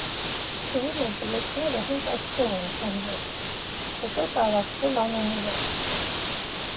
Թվում է՝ բլոճիկները հենց այստեղ էլ ծնվել են, հետո տարածվել ամենուրեք։